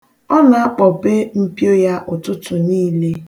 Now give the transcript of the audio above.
Ọ na-akpọpe mpio ya ụtụtụ niile.